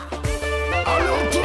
Sanunɛ